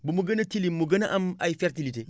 ba mu gën a tilim mu gën a am ay fertilité